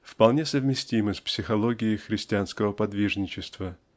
вполне совместимы с психологией христианского подвижничества